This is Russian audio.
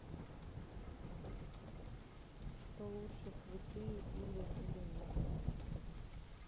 что лучше святые или или нет